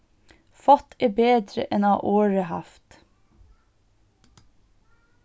fátt er betri enn á orði havt